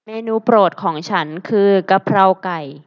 เมนูโปรดของฉันคือกะเพราไก่